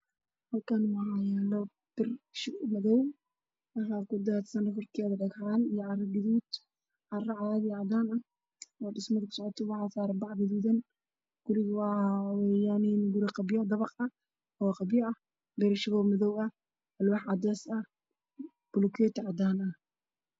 Halkaan waxaa yaalo darbi madow waxaa kudaasan carro gaduud iyo dhagaxman, carro cadaan ah waa guri dhismo ku socoto waxaa saaran bac gaduudan waa guri dabaq ah oo qabyo ah, dariishadaha waa madow, alwaax cadeys ah iyo bulukeeti cadaan ah.